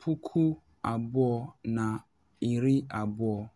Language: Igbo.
2020.